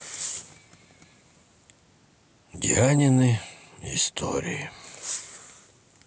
дианины истории